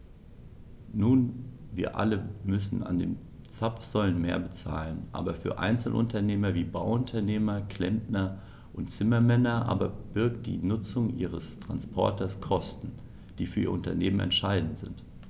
Nun wir alle müssen an den Zapfsäulen mehr bezahlen, aber für Einzelunternehmer wie Bauunternehmer, Klempner und Zimmermänner aber birgt die Nutzung ihres Transporters Kosten, die für ihr Unternehmen entscheidend sind.